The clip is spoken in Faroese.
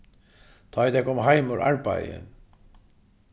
tá ið tey koma heim úr arbeiði